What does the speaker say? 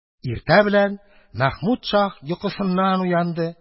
Иртә белән Мәхмүд шаһ йокысыннан уянды,